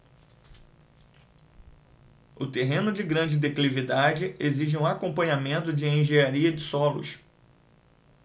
o terreno de grande declividade exige um acompanhamento de engenharia de solos